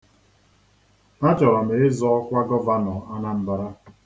A chọrọ m ịzọ ọkwa gọvanọ Anambra.